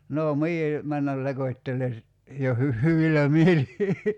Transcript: no minä mennä lekottelen - jo - hyvillä mielin